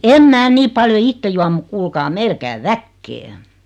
en minä niin paljon itse juo mutta kuulkaa meillä käy väkeä